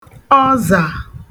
ọzà